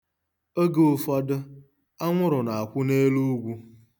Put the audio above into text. Oge ụfọdụ, anwụrụ na-akwụ n'elu ugwu.